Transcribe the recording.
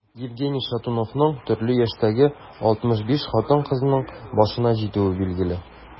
Евгений Шутовның төрле яшьтәге 65 хатын-кызның башына җитүе билгеле.